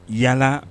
Yalaana